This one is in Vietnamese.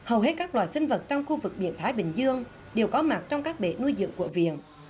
hầu hết các loài sinh vật trong khu vực biển thái bình dương đều có mặt trong các bể nuôi dưỡng của viện